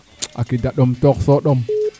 a kida ɗom so ɗom